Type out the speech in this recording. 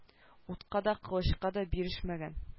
Утка да кылычка да бирешмәгән